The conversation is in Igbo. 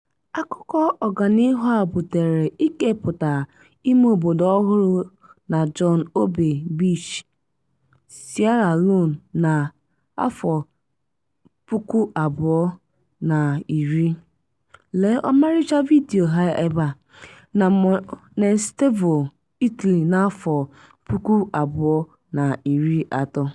Akụkọ ọganihu a butere ikepụta imeobodo ọhụrụ na John Obey Beach, Sierra Leone na 2010 (Lee ọmarịcha vidiyo ha ebe a) na Monestevole, Italy na 2013.